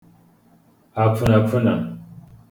àfụnàfụnà